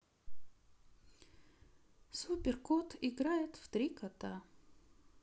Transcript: супер кот играет в три кота